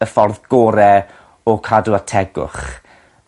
y ffordd gore o cadw at tegwch.